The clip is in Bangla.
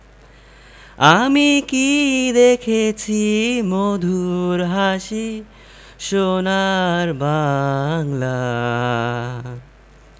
আমি কী দেখেছি মধুর হাসি সোনার বাংলা